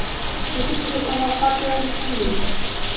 Ничек итеп аңа хат язмыйсың ди!